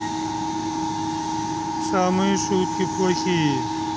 самые шутки плохие